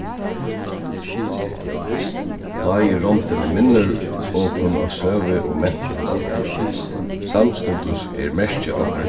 blái rondini minnir okum á søgu og mentan okara samstundis er merkið okara